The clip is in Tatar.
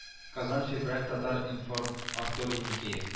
Казан февраль татар-информ артур еникеев